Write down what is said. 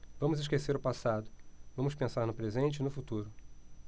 vamos esquecer o passado vamos pensar no presente e no futuro